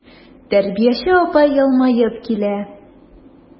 Тәрбияче апа елмаеп килә.